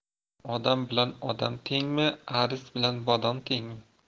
odam bilan odam tengmi aris bilan bodom tengmi